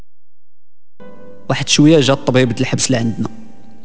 واحد شويه الطبيب لحفل عندنا